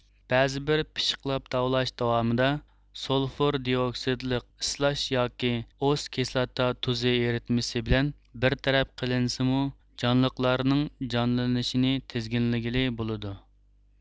بەزىبىر پىششىقلاپ تاۋلاش داۋامىدا سۇلفۇر دىئوكسىدلىق ئىسلاش ياكى ئوس كىسلاتا تۇزى ئېرىتمىسى بىلەن بىر تەرەپ قىلىنسىمۇ جانلىقلارنىڭ جانلىنىشىنى تىزگىنلىگىلى بولىدۇ